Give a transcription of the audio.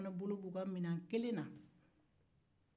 u fana bolo b'u ka minɛn kelen na